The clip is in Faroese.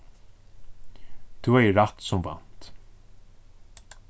tú hevði rætt sum vant